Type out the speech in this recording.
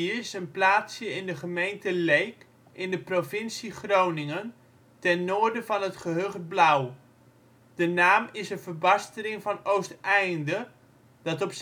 is een plaatsje in de gemeente Leek in de provincie Groningen, ten noorden van het gehucht Blauw. De naam is een verbastering van Oosteinde, dat op